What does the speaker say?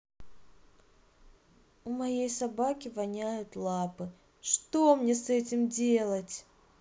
у моей собаки воняют лапы что мне с этим делать